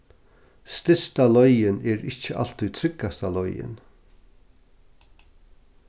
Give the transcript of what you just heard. stytsta leiðin er ikki altíð tryggasta leiðin